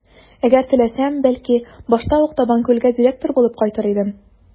Әгәр теләсәм, бәлки, башта ук Табанкүлгә директор булып кайтыр идем.